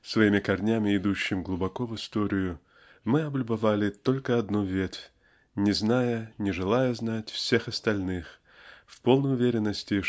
своими корнями идущем глубоко в историю мы облюбовали только одну ветвь не зная не желая знать всех остальных в полной уверенности